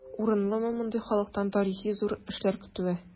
Урынлымы мондый халыктан тарихи зур эшләр көтүе?